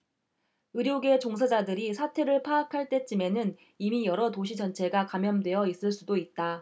의료계 종사자들이 사태를 파악할 때쯤에는 이미 여러 도시 전체가 감염되어 있을 수도 있다